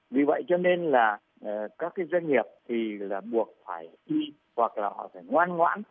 vì vậy cho nên là là các cái doanh nghiệp thì là buộc phải chi hoặc là họ phải ngoan ngoãn